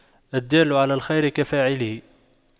الدال على الخير كفاعله